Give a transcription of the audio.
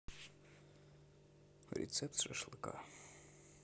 рецепт шашлыка